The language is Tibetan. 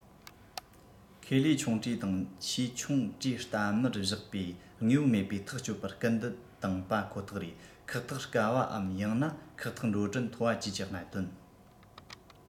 ཁེ ལས ཆུང གྲས དང ཆེས ཆུང གྲས གཏའ མར བཞག པའི དངོས པོ མེད པའི ཐག གཅོད པར སྐུལ འདེད དང པ ཁོ ཐག རེད ཁག ཐེག དཀའ བ པའམ ཡང ན ཁག ཐེག འགྲོ གྲོན མཐོ བ བཅས ཀྱི གནད དོན